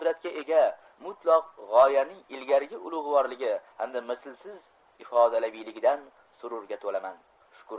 bir paytlar cheksiz qudratga ega mutlaq g'oyaning ilgarigi ulug'vorligi xamda mislsiz ifodaviyligidan sururga to'laman